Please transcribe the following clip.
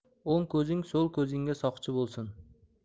o'ng ko'zing so'l ko'zingga soqchi bo'lsin